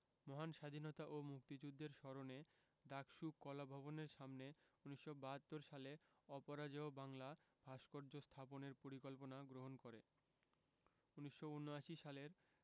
মহান স্বাধীনতা ও মুক্তিযুদ্ধের স্মরণে ডাকসু কলাভবনের সামনে ১৯৭২ সালে অপরাজেয় বাংলা ভাস্কর্য স্থাপনের পরিকল্পনা গ্রহণ করে ১৯৭৯ সালের